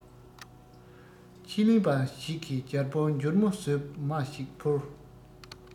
ཕྱི གླིང པ ཞིག གིས རྒྱལ པོར འཇོལ མོ བཟོས མ ཞིག ཕུལ